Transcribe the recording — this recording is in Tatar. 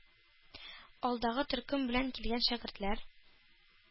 Алдагы төркем белән килгән шәкертләр,